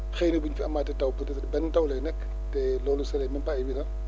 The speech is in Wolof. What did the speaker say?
xëy na bu ñu fi_ amaatee taw peut être benn taw lay nekk te loolu ce n' est même pas évident